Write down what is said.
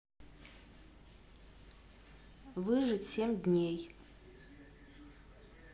выжить семь дней